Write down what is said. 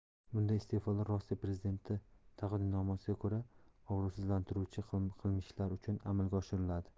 bunday iste'folar rossiya prezidenti taqdimnomasiga ko'ra obro'sizlantiruvchi qilmishlar uchun amalga oshiriladi